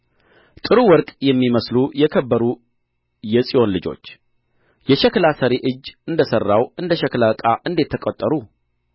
ጥሩ ወርቅ የሚመስሉ የከበሩ የጽዮን ልጆች የሸክላ ሠሪ እጅ እንደ ሠራው እንደ ሸክላ ዕቃ እንዴት ተቈጠሩ